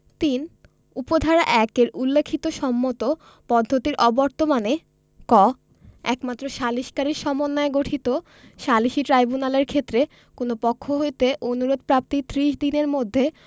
৩ উপ ধারা ১ এ উল্লেখিত সম্মত পদ্ধতির অবর্তমানে ক একমাত্র সালিকসারীর সমন্বয়ে গঠিত সালিসী ট্রাইব্যুনালের ক্ষেত্রে কোন পক্ষ হইতে অনুরোধ প্রাপ্তির ত্রিশ দিনের মধ্যে